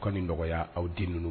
U ka a nin nɔgɔya aw den ninnu